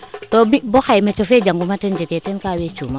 to mi bo xaye metier fe janguuma teen jege teen kaa weecuuma